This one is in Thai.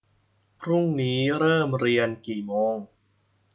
พรุ่งนี้เริ่มเรียนกี่โมง